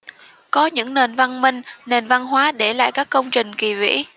có những nền văn minh nền văn hóa để lại các công trình kỳ vĩ